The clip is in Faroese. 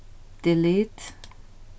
delete